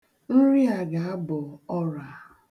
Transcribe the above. Nri a ga-abọ ọra.